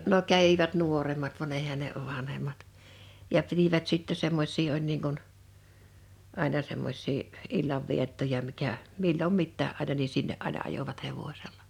no kävivät nuoremmat vaan eihän ne vanhemmat ja pitivät sitten semmoisia oli niin kuin aina semmoisia illanviettoja mikä milloin mitäkin aina niin sinne aina ajoivat hevosella